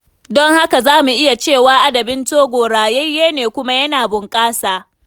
Don haka za mu iya cewa adabin Togo rayayye ne kuma yana bunƙasa.